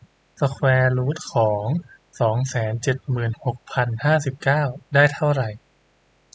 สแควร์รูทของสองแสนเจ็ดหมื่นหกพันห้าสิบเก้าได้เท่าไหร่